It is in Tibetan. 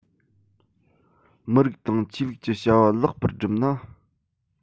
མི རིགས དང ཆོས ལུགས ཀྱི བྱ བ ལེགས པར སྒྲུབ ན